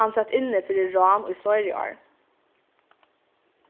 hann sat inni fyri rán í fleiri ár